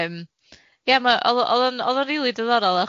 yym. Ia, ma' o'dd o o'dd o'n o'dd o'n rili diddorol